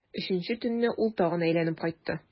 Өченче төнне ул тагын әйләнеп кайтты.